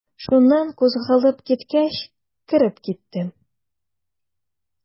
Шуннан кузгалып киткәч, кереп киттем.